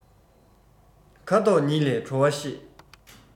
ཁ དོག ཉིད ལས བྲོ བ ཤེས